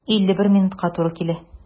51 минутка туры килә.